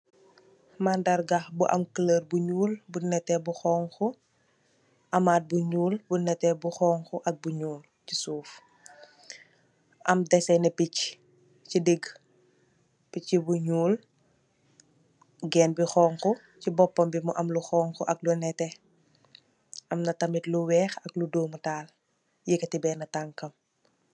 Mandarga bu am couleur bu ñuul, bu nete, bu xonxo, amaat bu ñuul, bu nete, bu xonxo ak bu ñuul ci suuf. Am desene pitchi si diggu, pitchi bu ñuul, geen bu xonxo si bopu bam bi am lu xonxo ak lu nete, am tamid lu weex ak lu dome taal, eketi bena tanka bi.